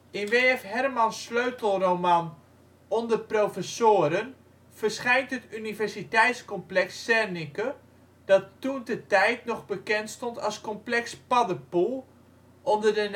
In W.F. Hermans ' sleutelroman Onder professoren verschijnt het universiteitscomplex Zernike, dat toentertijd nog bekend stond als complex Paddepoel, onder